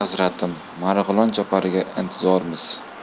hazratim marg'ilon chopariga intizormiz